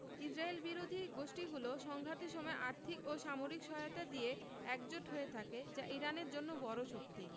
ইসরায়েলবিরোধী গোষ্ঠীগুলো সংঘাতের সময় আর্থিক ও সামরিক সহায়তা দিয়ে একজোট হয়ে থাকে যা ইরানের জন্য বড় শক্তি